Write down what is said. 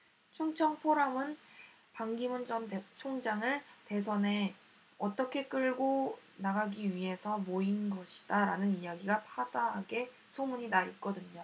충청포럼은 반기문 전 총장을 대선에 어떻게 끌고 나가기 위해서 모인 것이다라는 이야기가 파다하게 소문이 나 있거든요